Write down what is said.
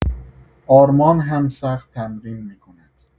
آرمان هم سخت تمرین می‌کند.